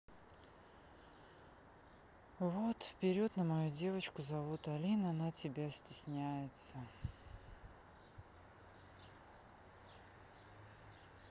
what вперед на мою девочку зовут алина она тебя стесняется